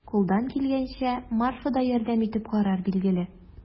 Кулдан килгәнчә Марфа да ярдәм итеп карар, билгеле.